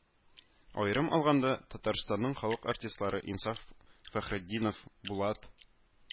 Аерым алганда, Татарстанның халык артистлары Инсаф Фәхретдинов, Булат